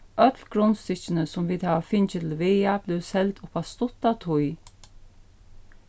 øll grundstykkini sum vit hava fingið til vega blivu seld upp á stutta tíð